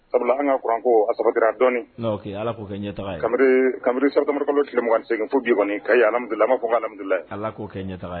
Sabula an ka kuranko a dɔɔnin ala k'o kɛ ɲɛmimiri sarata kalolo tilemasegin foyi ka alamila ala ma ko amadumudula ala k'o kɛ ɲɛ